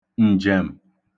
ǹjèm